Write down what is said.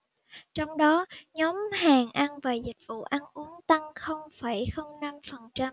trong đó nhóm hàng ăn và dịch vụ ăn uống tăng không phẩy không năm phần trăm